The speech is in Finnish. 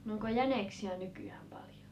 no onko jäniksiä nykyään paljon